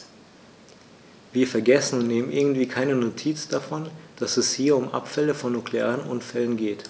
Wir vergessen, und nehmen irgendwie keine Notiz davon, dass es hier um Abfälle von nuklearen Unfällen geht.